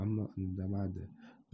ammo indamaydi